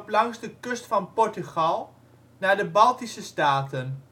langs de kust van Portugal naar de Baltische staten